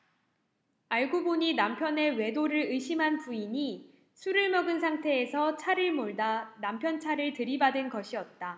알고 보니 남편의 외도를 의심한 부인이 술을 먹은 상태에서 차를 몰다 남편 차를 들이받은 것이었다